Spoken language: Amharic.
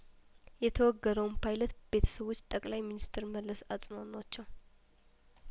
የተወ ገረውን ፓይለት ቤተሰቦች ጠቅለይሚንስትር መለስ አጽናኗቸው